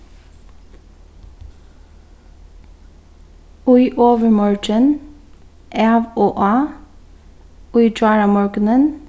í ovurmorgin av og á í gjáramorgunin